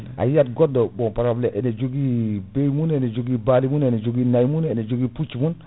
ayiyat goɗɗo mo * ina joogui bey mun ina joogui baali mum ina joogui nayyi mun ina jogui pucci mun